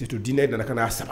Si to d diinɛ nana ka' saba